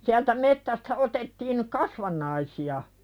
sieltä metsästä otettiin kasvannaisia